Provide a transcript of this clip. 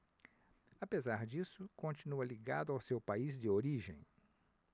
apesar disso continua ligado ao seu país de origem